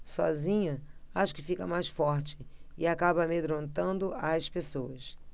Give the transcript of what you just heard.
sozinha acha que fica mais forte e acaba amedrontando as pessoas